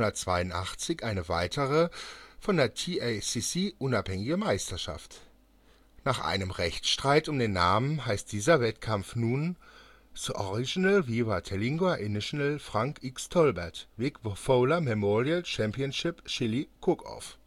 1982 eine weitere, von der TICC unabhängige Meisterschaft. Nach einem Rechtsstreit um den Namen heißt dieser Wettkampf nun The Original Viva Terlingua International Frank X. Tolbert - Wick Fowler Memorial Championship Chili Cookoff